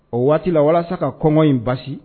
O waati la walasa ka kɔŋɔ in basi